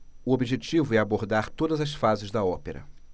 o objetivo é abordar todas as fases da ópera